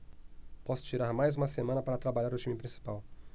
posso tirar mais uma semana para trabalhar o time principal